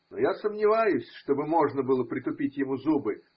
Но я сомневаюсь, чтобы можно было притупить ему зубы.